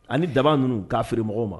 Ani da ninnu k'a f mɔgɔ ma